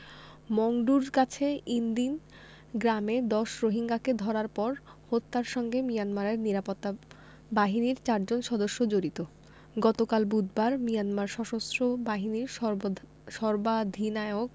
মংডুর কাছে ইনদিন গ্রামে ১০ রোহিঙ্গাকে ধরার পর হত্যার সঙ্গে মিয়ানমারের নিরাপত্তা বাহিনীর চারজন সদস্য জড়িত গতকাল বুধবার মিয়ানমার সশস্ত্র বাহিনীর সর্বধি সর্বাধিনায়ক